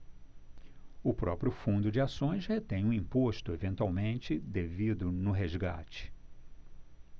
o próprio fundo de ações retém o imposto eventualmente devido no resgate